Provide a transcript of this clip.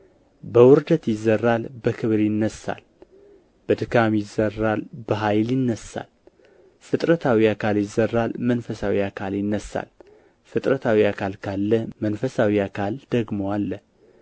በውርደት ይዘራል በክብር ይነሣል በድካም ይዘራል በኃይል ይነሣል ፍጥረታዊ አካል ይዘራል መንፈሳዊ አካል ይነሣል ፍጥረታዊ አካል ካለ መንፈሳዊ አካል ደግሞ አለ